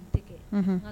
Unhun